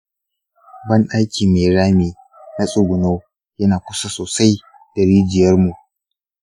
banɗaki mai rami na tsuguno yana kusa sosai da rijiyarmu.